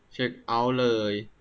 เช็คเอ้าท์เลย